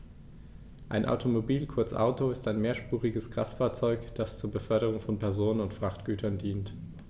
Ein Automobil, kurz Auto, ist ein mehrspuriges Kraftfahrzeug, das zur Beförderung von Personen und Frachtgütern dient.